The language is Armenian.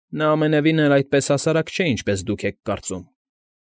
Նա ամենևին էլ այդպես հասարակ չէ, ինչպես դուք եք կարծում։